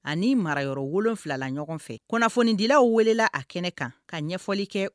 Ani mara yɔrɔ wolon wolonwula ɲɔgɔn fɛ kunnafonidilaw welela a kɛnɛ kan ka ɲɛfɔli kɛ